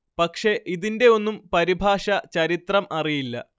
പക്ഷെ ഇതിന്റെ ഒന്നും പരിഭാഷ ചരിത്രം അറിയില്ല